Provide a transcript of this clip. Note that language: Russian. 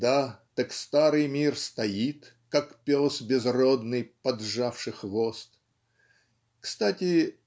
да, так "старый мир" стоит, "как пес безродный, поджавши хвост" (кстати